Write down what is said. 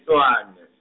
Tshwane s-.